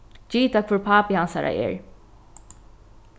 gita hvør pápi hansara er